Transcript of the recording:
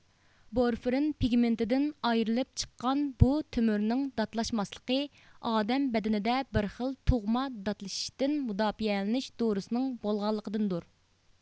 بورفىرىن پېگمېنتىدىن ئايرىلىپ چىققان بۇ تۆمۈرنىڭ داتلاشماسلىقى ئادەم بەدىنىدە بىر خىل تۇغما داتلىشىشتىن مۇداپىئەلىنىش دورىسىنىڭ بولغانلىقىدىندۇر